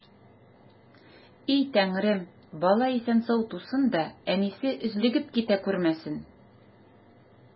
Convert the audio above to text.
И Тәңрем, бала исән-сау тусын да, әнисе өзлегеп китә күрмәсен!